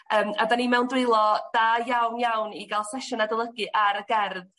yym a 'dan ni mewn dwylo da iawn iawn i ga'l sesiwn adolygu ar y gerdd